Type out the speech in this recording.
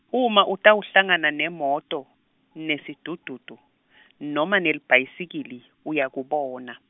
uma utawuhlangana nemoto, nesidududu , noma nelibhayisikili, uyakubona.